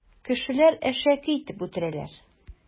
Кешеләр әшәке итеп үтерәләр.